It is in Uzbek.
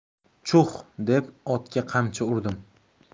chuh deb otga qamchi urdim